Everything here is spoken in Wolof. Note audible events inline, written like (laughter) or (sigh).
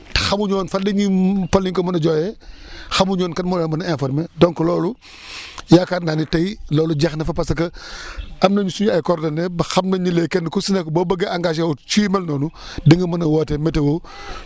te xamuñu woon fan lañuy fan lañ ko mën a jooyee (breath) xamuñu woon kan moo leen mën a informer donc loolu (breath) yaakaar naa ni tey loolu jeex na fa parce que (breath) am nañu suñu ay coordonnées ba xam nañ ni léegi kenn ku si nekk boo bëggee engager wu ci yu mel noonu di nga mën a woote météo (breath)